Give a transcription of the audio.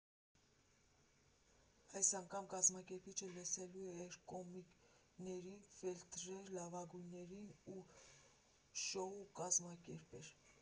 Այս անգամ կազմակերպիչը լսելու էր կոմիկներին, ֆիլտրեր լավագույններին ու շոու կազմակերպեր։